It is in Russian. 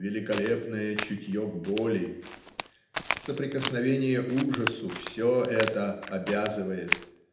великолепное чутье к боли" соприкосновение ужасу все это обязывает